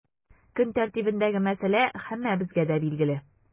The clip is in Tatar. Көн тәртибендәге мәсьәлә һәммәбезгә дә билгеле.